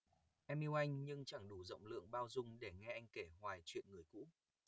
em yêu anh nhưng chẳng đủ rộng lượng bao dung để nghe anh kể hoài chuyện người cũ